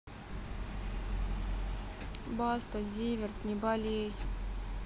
баста zivert не болей